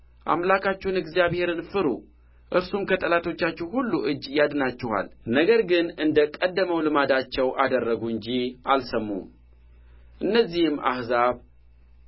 አምላካችሁን እግዚአብሔርን ፍሩ እርሱም ከጠላቶቻችሁ ሁሉ እጅ ያድናችኋል ነገር ግን እንደ ቀደመው ልማዳቸው አደረጉ እንጂ አልሰሙም እነዚህም አሕዛብ